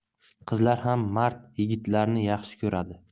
qizlar ham mard yigitlarni yaxshi ko'radi